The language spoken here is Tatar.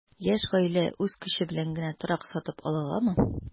Яшь гаилә үз көче белән генә торак сатып ала аламы?